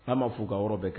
An m'a f'u ka yɔrɔ bɛɛ kɛ